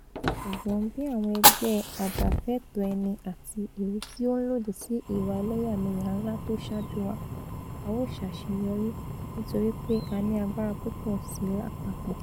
Ṣùgbọ́n, bí àwọn ẹgbẹ́ ajàfẹ́ẹ̀tọ́-ẹni àti èyití ó ńlódì sí ìwà ẹlẹ́yàmẹ̀yà ńlá tó saájú wa, a ó ṣàṣeyọrí, nítorípe a ni agbára púpọ̀ síi lápapọ̀.